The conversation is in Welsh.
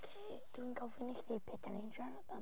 Ocê dwi'n gofyn i chdi be dan ni'n siarad am.